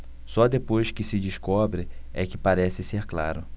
só depois que se descobre é que parece ser claro